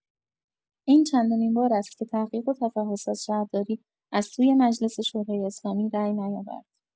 این چندمین بار است که تحقیق و تفحص از شهرداری از سوی مجلس شورای اسلامی رای نیاورد.